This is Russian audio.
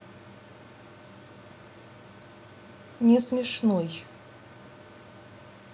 не смешной